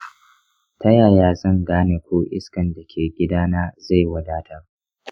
ta yaya zan gane ko iskan da ke gidana zai wadatar?